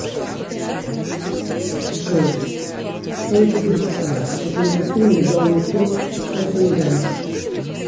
джой ставлю тебе дизлайк потому что ты мне дал не тот coffin dance